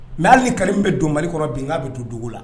Mɛ hali ka bɛ don mali kɔnɔ bin' bɛ don dugu la